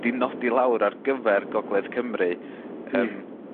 'di nodi lawr ar gyfer gogledd Cymru. Yym.